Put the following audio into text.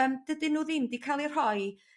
yym dydyn nhw ddim 'di ca'l eu rhoi